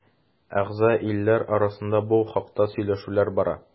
Әгъза илләр арасында бу хакта сөйләшүләр бара.